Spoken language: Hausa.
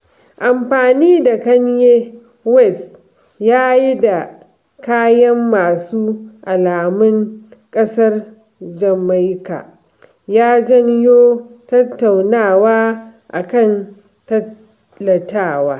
Amfani da Kanye West ya yi da kaya masu alamun ƙasar Jamaika ya janyo tattaunawa a kan "tallatawa".